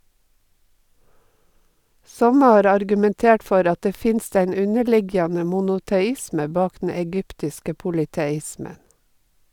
Somme har argumentert for at det finst ein underliggjande monoteisme bak den egyptiske polyteismen.